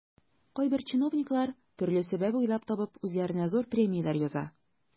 Кайбер чиновниклар, төрле сәбәп уйлап табып, үзләренә зур премияләр яза.